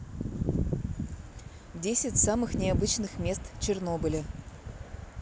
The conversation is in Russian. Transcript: десять самых необычных мест чернобыля